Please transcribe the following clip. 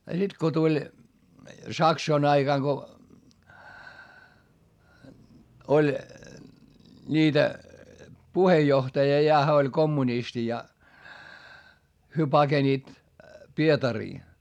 ja sitten kun tuli saksojen aikana kun oli niitä puheenjohtaja ja hän oli kommunisti ja he pakenivat Pietariin